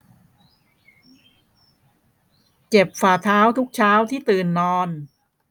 เจ็บฝ่าเท้าทุกเช้าที่ตื่นนอน